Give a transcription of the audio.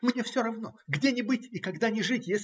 Мне все равно, где ни быть и когда ни жить.